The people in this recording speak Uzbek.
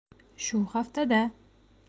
shu haftada